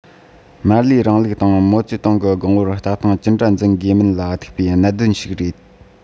མར ལེའི རིང ལུགས དང མའོ ཙེ ཏུང གི དགོངས པར ལྟ སྟངས ཅི འདྲ འཛིན དགོས མིན ལ ཐུག པའི གནད དོན ཞིག རེད